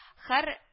Һәр